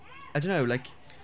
I don't know like...